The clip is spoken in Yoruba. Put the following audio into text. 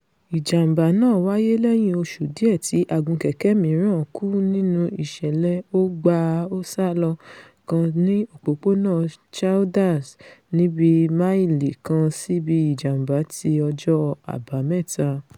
Ìjàm̀bá náà wáyé lẹ́yìn oṣu diẹ̀ ti agunkẹ̀kẹ́ mìíràn kú nínú ìṣẹ̀lẹ̀ ó-gbá-a-ó-sálọ kan ní Òpópónà Childers ní bíi máìlì kan síbi ìjàm̀bá ti ọjọ́ Àbámẹ́ta.